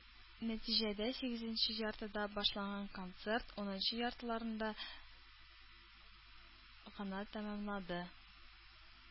Нәтиҗәдә, сигезенче яртыда башланган концерт унынчы яртыларда гына тәмамланды.